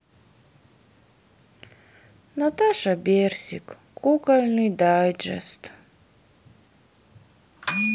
наташа берсик кукольный дайджест